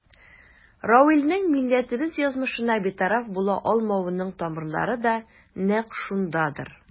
Равилнең милләтебез язмышына битараф була алмавының тамырлары да нәкъ шундадыр.